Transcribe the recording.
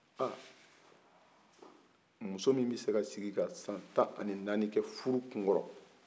muso min bɛ se ka sigi ka san tan ani naani kɛ furu kun kɔrɔ